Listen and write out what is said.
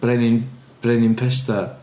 Brenin, Brenin Pesda.